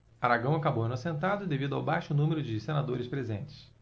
aragão acabou inocentado devido ao baixo número de senadores presentes